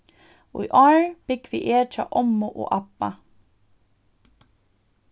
í ár búgvi eg hjá ommu og abba